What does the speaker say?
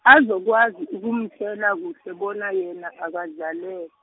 azokwazi ukumtjela kuhle bona yena akadlalelwa.